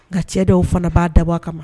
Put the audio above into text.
Ka cɛ dɔw fana b baa dabɔ a kama ma